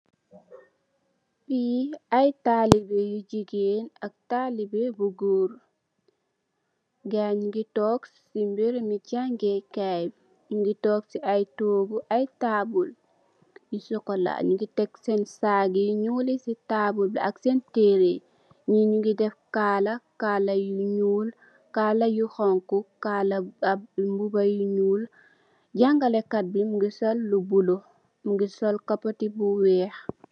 Fii ay taalube yu jigéen and ay taalube yu goor, gaayi ñu ngi toog si bërëbu jangee kaay bi, ñu ngi toog si toogu ak taabul yu sokolaa. Ñu ngi tek seen taabul ak yu ñuul yi si taabul bi, ak seen tëré yi, ñu ngi def kaala, kaala ñuul, kaala yu xoñxu, ak mbuba yu ñuul. Jaangale kat bi mu ngi sol, lu bulo, mu ngi sol, koppati bu weex.